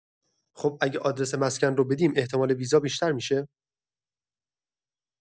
خب اگه آدرس مسکن رو بدیم احتمال ویزا بیشتر می‌شه؟